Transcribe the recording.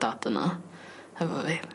...Dad yna hefo fi.